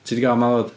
Ti di gael malwod?